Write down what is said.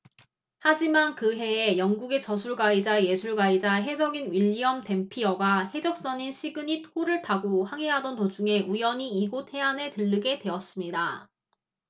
하지만 그 해에 영국의 저술가이자 예술가이자 해적인 윌리엄 댐피어가 해적선인 시그닛 호를 타고 항해하던 도중에 우연히 이곳 해안에 들르게 되었습니다